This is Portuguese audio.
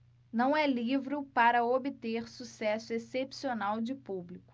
não é livro para obter sucesso excepcional de público